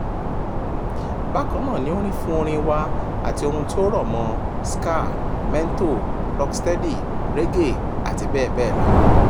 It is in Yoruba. Bákannáà ni ó rí fún orin wa àti ohun tí ó rọ̀ mọ́, Ska, Mento, Rock Steady, Reggae àti bẹ́ẹ̀ bẹ́ẹ̀ lọ.